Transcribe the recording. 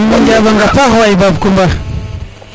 in way njaɓanga paax waay Bab Coumba